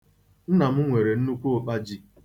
Nna m nwere nnukwu ụkpa ji.